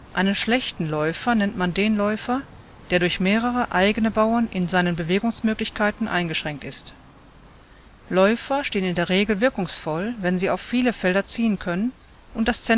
Einen schlechten Läufer nennt man den Läufer, der durch mehrere eigene Bauern in seinen Bewegungsmöglichkeiten eingeschränkt ist. Läufer stehen in der Regel wirkungsvoll, wenn sie auf viele Felder ziehen können und das